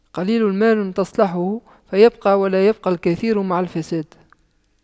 قليل المال تصلحه فيبقى ولا يبقى الكثير مع الفساد